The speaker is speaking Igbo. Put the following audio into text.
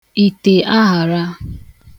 ìtèaghara